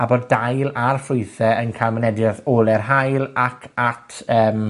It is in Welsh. a bod dail a'r ffrwythau yn ca'l mynedieth ole'r haul ac at yym,